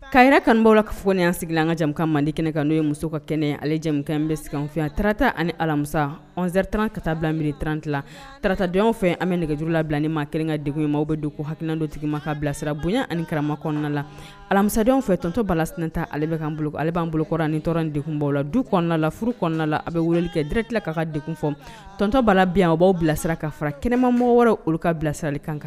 Ka yɛrɛ kanbaw la ka kunnafoni ansigi an kajami mande kɛnɛ ka n'o ye muso ka kɛnɛ ale jɛ bɛ sfiyan tarata ani ni alamisa zɛri tan ka taa bilamini tranti tatadenw fɛ an bɛ nɛgɛjuru la bila ni maa kɛrɛn ka de ye maaw bɛ don ko haldo tigima ka bilasira bonya ani karama kɔnɔna la alamisadenw fɛ tɔntɔntɔbalas-ta ale bɛ kan bolo ale b'an bolokɔrɔ ni tɔɔrɔ debaw la du kɔnɔna la furu kɔnɔna a bɛ wulili kɛ dɛrɛti ka ka de fɔ tɔntɔntɔ bala biyan u bilasira ka fara kɛnɛma mɔgɔ wɛrɛ olu ka bilasirali kan